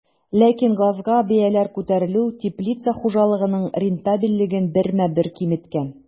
Ләкин газга бәяләр күтәрелү теплица хуҗалыгының рентабельлеген бермә-бер киметкән.